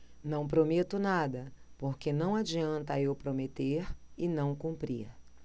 não prometo nada porque não adianta eu prometer e não cumprir